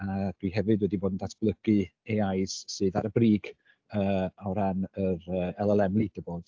a dwi hefyd wedi bod yn datblygu AIs sydd ar y brig yy o ran y LLM leaderboards.